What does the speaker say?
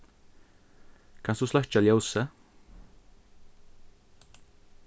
kanst tú sløkkja ljósið